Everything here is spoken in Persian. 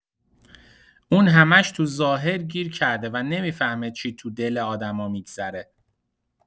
اون همش تو ظاهر گیر کرده و نمی‌فهمه چی تو دل آدم‌ها می‌گذره.